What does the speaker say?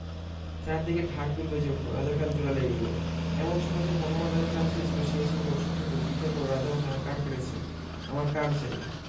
চারদিকে ঢাক ঢোল বেজে উঠল রাজার কান জোড়া লেগে গেল এমন সময় যে হনুমান রাজার কান ছিঁড়েছিল সে এসে বললেঅশ্বথ ঠাকুর বিচার কররাজামশায় আমার কান কেটেছে আমার কান চাই